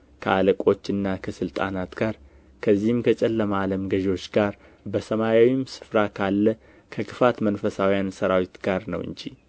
ከአለቆችና ከሥልጣናት ጋር ከዚህም ከጨለማ ዓለም ገዦች ጋር በሰማያዊም ስፍራ ካለ ከክፋት መንፈሳውያን ሠራዊት ጋር ነው እንጂ